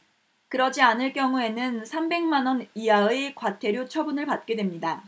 그러지 않을 경우에는 삼백 만 원 이하의 과태료 처분을 받게 됩니다